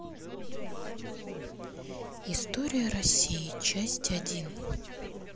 история россии часть один